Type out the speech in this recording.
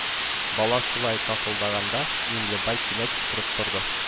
Бала шулай такылдаганда Миңлебай кинәт сикереп торды